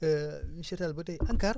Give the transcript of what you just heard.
monsieur Tall ba tey ANCAR